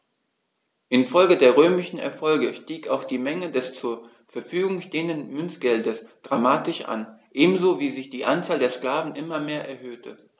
Infolge der römischen Erfolge stieg auch die Menge des zur Verfügung stehenden Münzgeldes dramatisch an, ebenso wie sich die Anzahl der Sklaven immer mehr erhöhte.